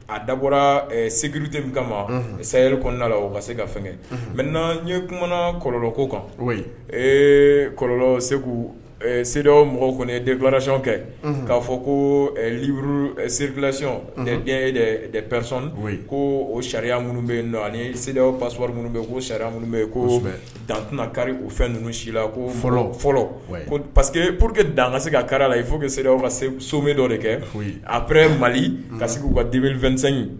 A da bɔra segudurite min kama seyiri kɔnɔna la o ma se ka fɛn kɛ mɛ n n yekumana kɔrɔlɔ ko kan ee segu se mɔgɔ kɔni gwayɔn kɛ k'a fɔ ko uru serilasiyɔn diɲɛ de pɛsɔn ko o sariya minnu bɛ yen ani seere paswa minnu bɛ ko sariya bɛ yen ko mɛ dantuma kariri o fɛn ninnu si la ko fɔlɔ pa que pour que dan ka se ka kari la yen fo que seere ka somɛ dɔ de kɛ a bɛ mali ka sigi u ka dibi2sɛn